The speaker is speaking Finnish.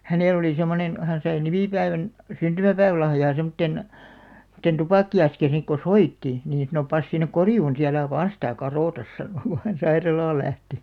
hänellä oli semmoinen hän sai nimipäivän syntymäpäivälahjaa semmoisen semmoisen tupakka-askin sitten kun soitti niin sanoi pane sinne korjuun sitten älä vain sitä kadota sanoi kun hän sairaalaan lähti